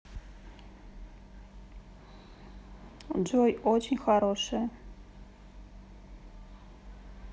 джой очень хорошее